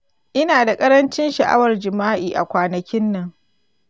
ina da ƙarancin sha’awar jima’i a kwanakin nan.